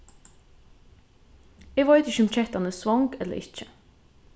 eg veit ikki um kettan er svong ella ikki